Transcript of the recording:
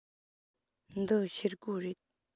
འདི ཤེལ སྒོ རེད